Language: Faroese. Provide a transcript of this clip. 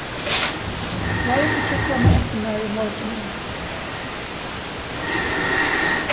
gloym ikki at koma eftir mær í morgin ári